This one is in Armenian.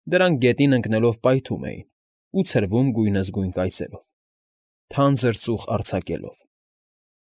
Դրանք գետին ընկնելով պայթում էին ու ցրվում գույնզգույն կայծերով, թանձր ծուխ արձակելով։